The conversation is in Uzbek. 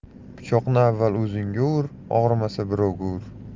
pichoqni avval o'zingga ur og'rimasa birovga ur